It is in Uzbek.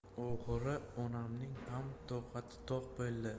oxiri onamning ham toqati toq bo'ldi